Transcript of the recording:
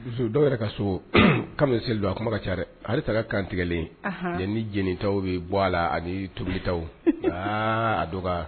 Don dɔw yɛrɛ ka so kamalen selidu don a kuma ka ca halisa ka kantigɛlen ni jeniin tɔw bɛ bɔ a la ani tobita aa a dɔgɔ